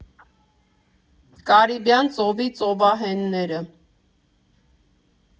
Կարիբյան ծովի ծովահենները։